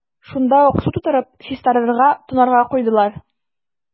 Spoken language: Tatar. Шунда ук су тутырып, чистарырга – тонарга куйдылар.